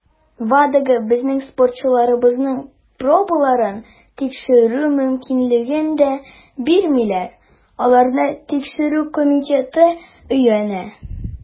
WADAга безнең спортчыларыбызның пробаларын тикшерү мөмкинлеген дә бирмиләр - аларны Тикшерү комитеты өйрәнә.